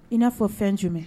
I n'a fɔ fɛn jumɛn